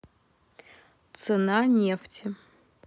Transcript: цена нефти